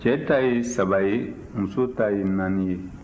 cɛ ta ye saba ye muso ta ye naani ye